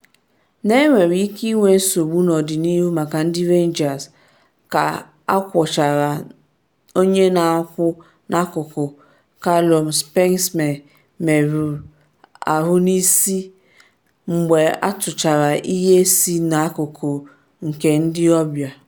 Na enwere ike inwe nsogbu n’ọdịnihu maka ndị Rangers ka agwọchara onye na-akwụ n’akụkụ Calum Spencem merụ ahụ n’isi, mgbe atụchara ihe si n’akụkụ nke ndị ọbịa.